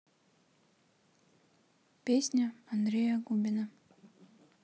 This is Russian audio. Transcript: песня андрея губина